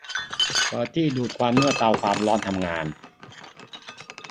เปิดที่ดูดควันเมื่อเตาความร้อนทำงาน